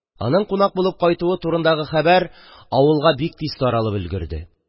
Аның кунак булып кайтуы турындагы хәбәр авылга бик тиз таралып өлгерде